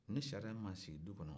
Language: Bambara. ni sariya min ma sigi du kɔnɔ